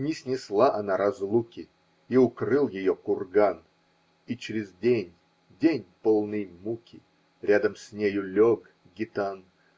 Не снесла она разлуки, И укрыл ее курган, И чрез день -- день, полный муки, Рядом с нею лег гитан.